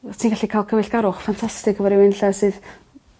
w- ti'n gallu ca'l cyfeillgarwch ffantastig efo rywun lle sydd